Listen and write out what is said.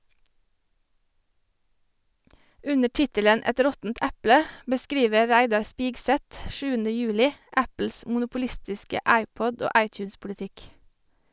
Under tittelen "Et råttent eple" beskriver Reidar Spigseth 7. juli Apples monopolistiske iPod- og iTunes-politikk.